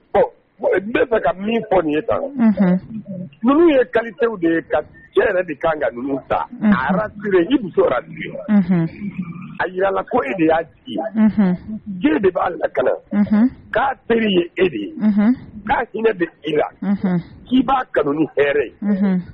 Ɔ bon bɛ fɛ ka min fɔ nin ye ta ninnu ye ka de ye ka yɛrɛ de kan ka ta muso la a jirala ko e de y'a jigi de b'a lakala k'a teri ye e de ye k'a hinɛ de e la k'i b'a kanu hɛrɛ ye